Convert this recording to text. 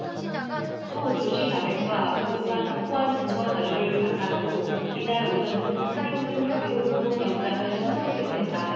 또 조씨 자백과 그동안 확보한 증거 자료를 바탕으로 이날 오전 중 살인 등 혐의로 구속영장을 신청키로 했다